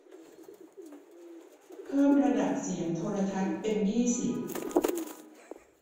เพิ่มระดับเสียงโทรทัศน์เป็นยี่สิบ